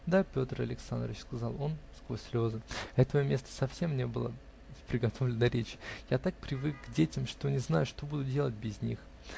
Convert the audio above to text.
-- Да, Петр Александрыч, -- сказал он сквозь слезы (этого места совсем не было в приготовленной речи), -- я так привык к детям, что не знаю, что буду делать без них.